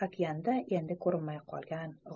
okeanda endi kitlar ko'rinmay qolgan